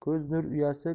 ko'z nur uyasi